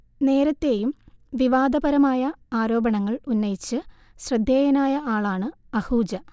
നേരത്തെയും വിവാദപരമായ ആരോപണങ്ങൾ ഉന്നയിച്ച് ശ്രദ്ധേയനായ ആളാണ് അഹൂജ